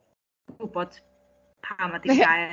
gw'bod pam ydi'r gair.